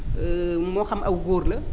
moo xam aw góor la